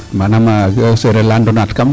manaam ke sereer a leya ndonaat kam